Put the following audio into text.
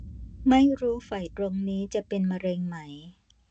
ไม่รู้ไฝตรงนี้จะเป็นมะเร็งไหม